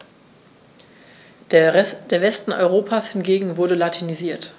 Der Westen Europas hingegen wurde latinisiert.